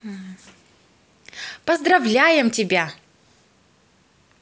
поздравляем тебя